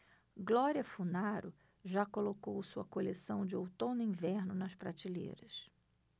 glória funaro já colocou sua coleção de outono-inverno nas prateleiras